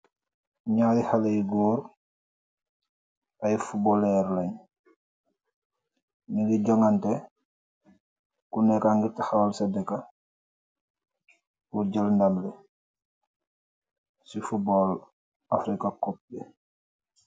ñaari xale yi góor ay futbal airline ni ngi joŋante ku nekka ngi taxawal seddeka bur jël ndamle ci fudbal afrika copp bi